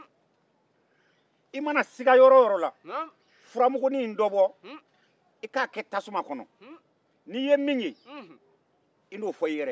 i mana siga yɔrɔ o yɔrɔ furamugunin in dɔ bɔ i k'a kɛ tasuma kɔnɔ i mana min ye i n'o fɔ i yɛrɛ ye